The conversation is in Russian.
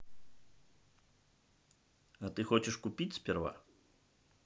а ты хочешь купить сперва